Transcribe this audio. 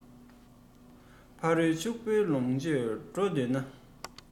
ཕ རོལ ཕྱུག པོ ལོངས སྤྱོད དགོས འདོད ན